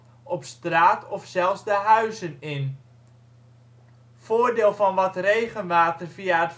straat of zelfs de huizen in. Voordeel van (wat) regenwater via